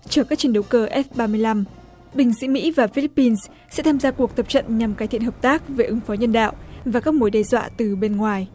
chở các chiến đấu cơ ép ba mươi lăm binh sĩ mỹ và phi líp pin sẽ tham gia cuộc tập trận nhằm cải thiện hợp tác với ứng phó nhân đạo và các mối đe dọa từ bên ngoài